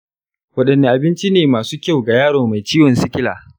wadanne abinci ne masu kyau ga yaro mai ciwon sikila?